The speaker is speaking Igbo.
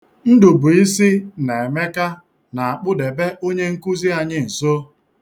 Ndụbụisi na Emeka na-akpụdebe onye nkụzi anyị nso.